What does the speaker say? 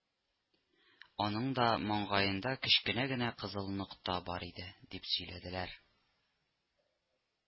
Аның да маңгаенда кечкенә генә кызыл нокта бар иде, дип сөйләделәр